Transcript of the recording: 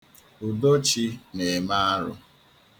Udochi na-eme arụ.